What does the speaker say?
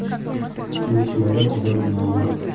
kelishmagan odam nomard